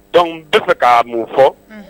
Dɔnku bɛ se k' mun fɔ